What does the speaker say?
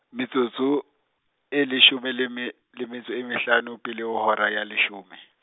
metsotso, e leshome le mme, le metso e mehlano pele ho hora ya leshome.